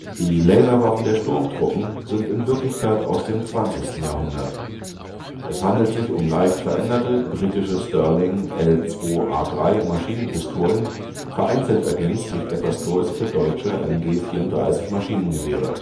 Die Laserwaffen der Sturmtruppen sind in Wirklichkeit aus dem 20. Jahrhundert. Es handelt sich um leicht veränderte britische Sterling-L2A3-Maschinenpistolen, vereinzelt ergänzt durch etwas größere deutsche MG-34-Maschinengewehre